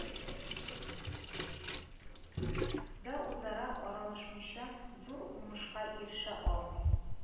Да үзара аралашмыйча зур уңышка ирешә алмый